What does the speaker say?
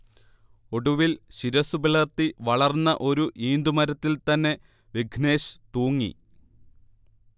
ഒടുവിൽ ശിരസുപിളർത്തി വളർന്ന ഒരു ഈന്തു മരത്തിൽ തന്നെ വിഘ്നേശ് തൂങ്ങി